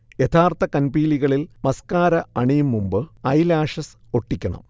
യഥാർത്ഥ കൺപീലികളിൽ മസ്കാര അണിയും മുമ്പ് ഐലാഷസ് ഒട്ടിക്കണം